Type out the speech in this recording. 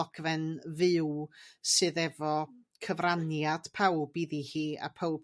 ddogfen fyw sydd efo cyfraniad pawb iddi hi a powb